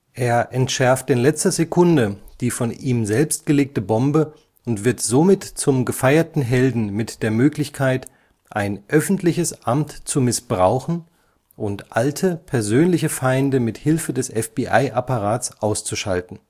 Er entschärft in letzter Sekunde die von ihm selbst gelegte Bombe und wird somit zum gefeierten Helden mit der Möglichkeit „ ein öffentliches Amt zu missbrauchen “und alte, persönliche Feinde mit Hilfe des FBI-Apparats auszuschalten